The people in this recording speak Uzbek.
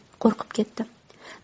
qo'rqib ketdim